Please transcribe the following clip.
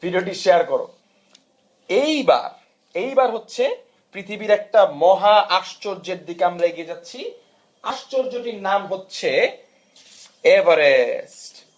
video টি share করো এইবার এইবার হচ্ছে পৃথিবীর একটা মহা আশ্চর্যের দিকে আমরা এগিয়ে যাচ্ছে আশ্চর্য টির নাম হচ্ছে এভারেস্ট